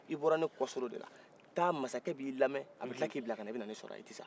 i bɔra ne kɔsolo de la taa masakɛ b'i lamɛn a bɛ tila k'i bila ka na i bɛ na ne sɔrɔ yan i tɛ sa